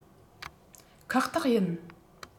ཁག ཐེག ཡིན